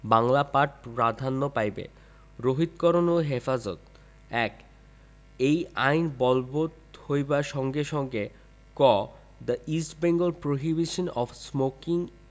বাংলা পাঠ প্রাধান্য পাইবে ১৮ রহিতকরণ ও হেফাজতঃ ১ এই আইন বলবৎ হইবার সংগে সংগেঃ ক the East Bengal prohibition of smoking